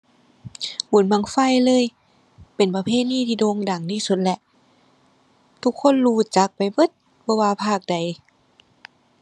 บุญบั้งไฟเลย เป็นประเพณีที่โด่งดังที่สุดแล้ว ทุกคนรู้จักไปเบิดบ่ว่าภาคใด